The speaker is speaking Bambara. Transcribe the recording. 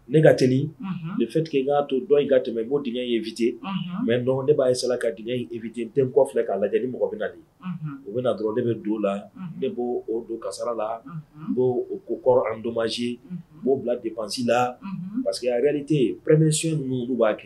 Ne ka t ni fitigi n'a to dɔn ka tɛmɛ i' dgɛ yefit mɛ dɔn ne b'a yela ka d vt den kɔ filɛ k'a lajɛ lajɛlen mɔgɔ bɛ na di u bɛna na dɔrɔn ne bɛ don la ne b' o don kasara la n b'o o ko kɔrɔ anitomasi b'o bila de bansi la parceseke yɛrɛte yen pmesi minnu b'a kɛ